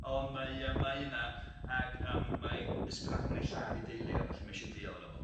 On' mae yym mae yna ac yym mae Ysbyddaden wedi lladd 'i deulu o felly mae isio deal arno fo.